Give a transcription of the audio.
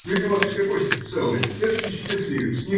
Ведь у вас все кости целы. Этакий счастливец!